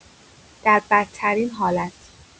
در بدترین حالت